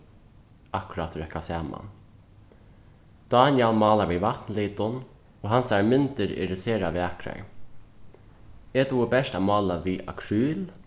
akkurát røkka saman dánjal málar við vatnlitum og hansara myndir eru sera vakrar eg dugi bert at mála við akryl